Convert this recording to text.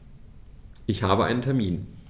Ich habe einen Termin.